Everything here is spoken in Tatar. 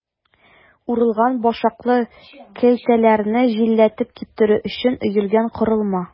Урылган башаклы көлтәләрне җилләтеп киптерү өчен өелгән корылма.